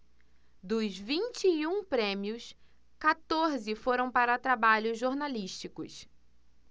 dos vinte e um prêmios quatorze foram para trabalhos jornalísticos